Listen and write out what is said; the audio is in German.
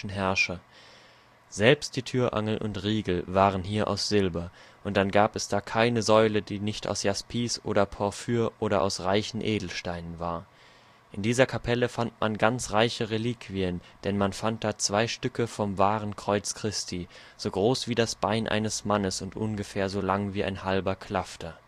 Herrscher: Selbst die Türangel und Riegel " waren hier aus Silber, und dann gab es da keine Säule, die nicht aus Jaspis oder Porphyr oder aus reichen Edelsteinen war. In dieser Kapelle fand man ganz reiche Reliquien, denn man fand da zwei Stücke vom wahren Kreuz Christi, so groß wie das Bein eines Mannes und ungefähr so lang wie ein halber Klafter